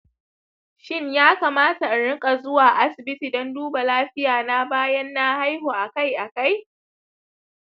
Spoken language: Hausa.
shin ya kamata in riƙa zuwa asibiti don duba lafiya na bayan na haihu akai akai